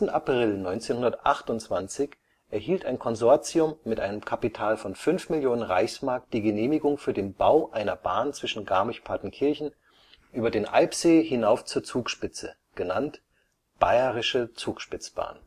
April 1928 erhielt ein Konsortium mit einem Kapital von fünf Millionen Reichsmark die Genehmigung für den Bau einer Bahn zwischen Garmisch-Partenkirchen über den Eibsee hinauf zur Zugspitze, genannt Bayerische Zugspitzbahn